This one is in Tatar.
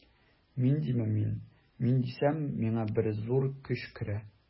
Мин димен мин, мин дисәм, миңа бер зур көч керә.